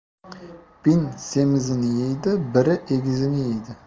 bin semizini yeydi biri egizini yeydi